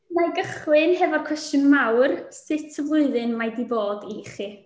Wna i gychwyn hefo'r cwestiwn mawr. Sut flwyddyn mae hi 'di bod i chi?